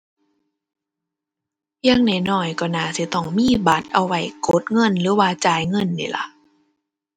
อย่างน้อยน้อยก็น่าสิต้องมีบัตรเอาไว้กดเงินหรือว่าจ่ายเงินนี่ล่ะ